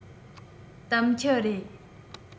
གཏམ འཁྱལ རེད